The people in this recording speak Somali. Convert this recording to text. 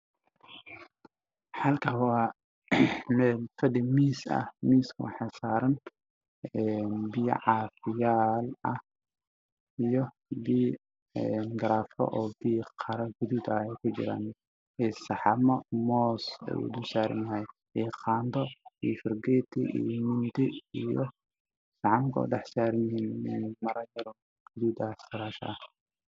Halkaan waxaa ka muuqdo kuraas jaalo ah iyo miisas guduudan miis walbo waxaa saaran saxan cad oo uu dulsaaran yahay moos maro guduudan oo saxan dul saaran miiskana waxaa saaran biyo caafi ah